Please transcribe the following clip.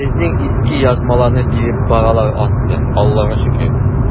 Безнең иске язмаларны биреп баралар ансы, Аллага шөкер.